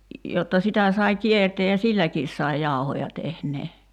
jotta sitä sai kiertää ja silläkin sai jauhoja tehdä